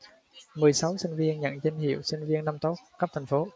mười sáu sinh viên nhận danh hiệu sinh viên năm tốt cấp thành phố